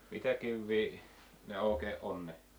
mitä kiviä ne oikein on ne